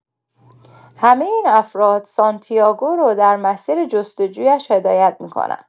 همه این افراد، سانتیاگو را در مسیر جستجویش هدایت می‌کنند.